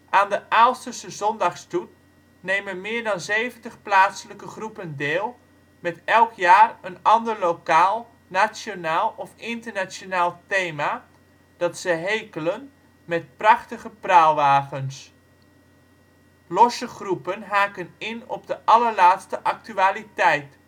Aan de Aalsterse zondagsstoet nemen meer dan 70 plaatselijke groepen deel, met elk jaar een ander lokaal, nationaal of internationaal thema dat ze hekelen met prachtige praalwagens. Losse groepen haken in op de allerlaatste actualiteit